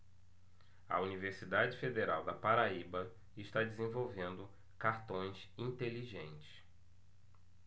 a universidade federal da paraíba está desenvolvendo cartões inteligentes